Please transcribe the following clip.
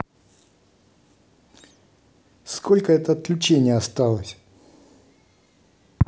сколько это отключение осталось